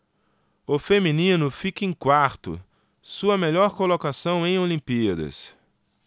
o feminino fica em quarto sua melhor colocação em olimpíadas